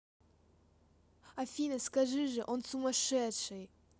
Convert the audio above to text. афина скажи же он сумасшедший